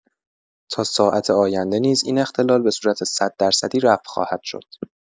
تا ساعت آینده نیز این اختلال به صورت ۱۰۰ درصدی رفع خواهد شد.